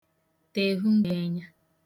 tèhu mgbenyā